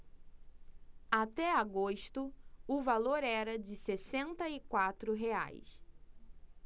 até agosto o valor era de sessenta e quatro reais